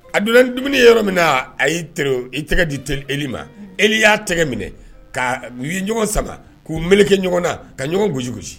A donna dumuni yɔrɔ min a y'i i tɛgɛ di e ma e y'a tɛgɛ minɛ ka ɲɔgɔn sama k'u mli kɛ ɲɔgɔn na ka ɲɔgɔn gosi gosi